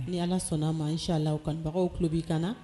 Ni ala sɔnna ma n si la u kanubagaw tulo b'i ka na